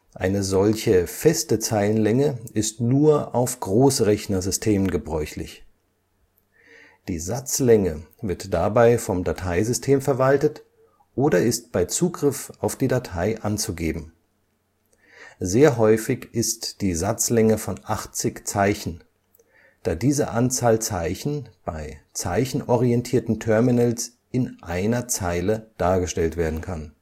Eine solche feste Zeilenlänge ist nur auf Großrechner-Systemen gebräuchlich. Die Satzlänge wird dabei vom Dateisystem verwaltet oder ist bei Zugriff auf die Datei anzugeben. Sehr häufig ist die Satzlänge von 80 Zeichen, da diese Anzahl Zeichen bei zeichenorientierten Terminals in einer Zeile dargestellt werden kann